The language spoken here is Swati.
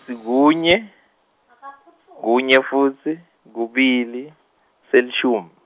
tsi kunye, kunye futsi, kubili, selishumi.